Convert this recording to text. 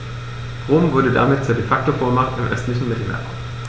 Rom wurde damit zur ‚De-Facto-Vormacht‘ im östlichen Mittelmeerraum.